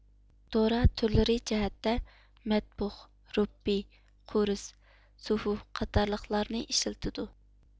دورا تۈرلىرى جەھەتتە مەتبۇخ رۇببى قۇرس سۇفۇف قاتارلىقلارنى ئىشلىتىدۇ